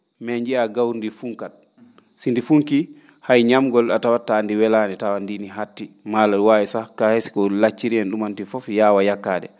mais jiyaa gawri ndii fu?ka si ndi fu?kii hay ñaamgol a tawat ta ndi welaani tawa ndi nin haatti maa walla waawi sah kaa hay si ko lacciri en ?umanti fof yaawa yakkaade